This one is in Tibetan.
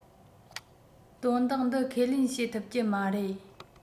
དོན དག འདི ཁས ལེན བྱེད ཐུབ ཀྱི མ རེད